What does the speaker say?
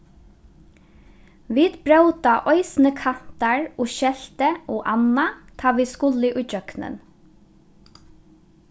vit bróta eisini kantar og skelti og annað tá vit skulu ígjøgnum